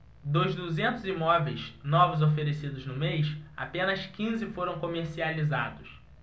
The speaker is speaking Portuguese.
dos duzentos imóveis novos oferecidos no mês apenas quinze foram comercializados